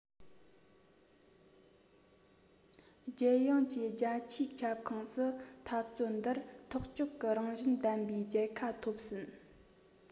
རྒྱལ ཡོངས ཀྱི རྒྱ ཆེའི ཁྱབ ཁོངས སུ འཐབ རྩོད འདིར ཐག གཅོད ཀྱི རང བཞིན ལྡན པའི རྒྱལ ཁ ཐོབ ཟིན